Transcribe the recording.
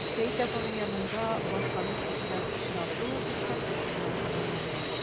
Чәй табыны янында башланып киткән очрашу дискотека белән тәмамланды.